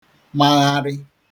magharị